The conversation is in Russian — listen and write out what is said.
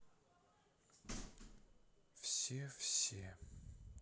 все все